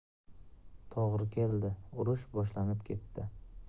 to'g'ri keldi urush boshlanib ketdi